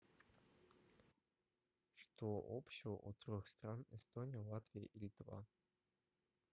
что общего у трех стран эстония латвия и литва